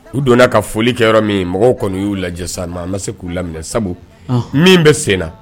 U donna ka foli kɛ yɔrɔ min mɔgɔw kɔnɔ y'u lajɛsa na an ma se k'u laminɛ sabu min bɛ sen na